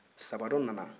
sabadɔn nana